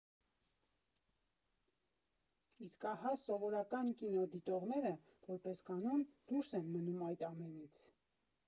Իսկ ահա սովորական կինոդիտողները, որպես կանոն, դուրս են մնում այդ ամենից։